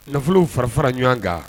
Nafolow fara fara ɲɔgɔn kan